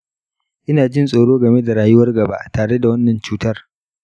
ina jin tsoro game da rayuwar gaba tare da wannan cutar.